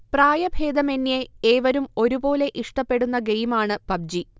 പ്രായഭേദമന്യേ ഏവരും ഒരുപോലെ ഇഷ്ടപെടുന്ന ഗെയിമാണ് പബ്ജി